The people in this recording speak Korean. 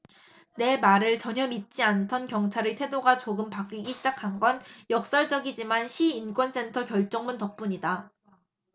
내 말을 전혀 믿지 않던 경찰의 태도가 조금 바뀌기 시작한 건 역설적이지만 시 인권센터 결정문 덕분이다